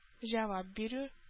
Җавап бирү